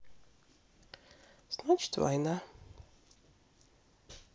значит война